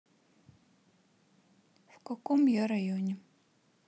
в каком я районе